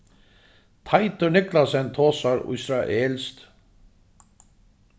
teitur niclasen tosar ísraelskt